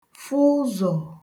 fụ ụzọ̀